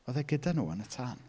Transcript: Oedd e gyda nhw yn y tân.